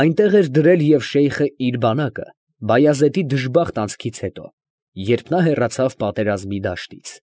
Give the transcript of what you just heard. Այնտեղ էր դրել և շեյխը իր բանակը Բայազեդի դժբախտ անցքից հետո, երբ նա հեռացավ պատերազմի դաշտից։